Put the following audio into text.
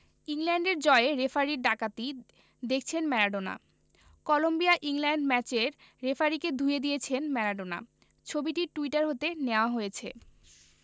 ইংল্যান্ডের জয়ে রেফারির ডাকাতি দেখছেন ম্যারাডোনা কলম্বিয়া ইংল্যান্ড ম্যাচের রেফারিকে ধুয়ে দিয়েছেন ম্যারাডোনা ছবিটি টুইটার হতে নেয়া হয়েছে